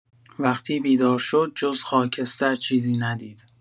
وقتی بیدار شد، جز خاکستر چیزی ندید.